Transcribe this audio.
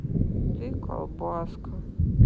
ты колбаска